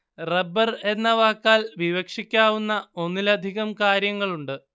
rubber എന്ന വാക്കാൽ വിവക്ഷിക്കാവുന്ന ഒന്നിലധികം കാര്യങ്ങളുണ്ട്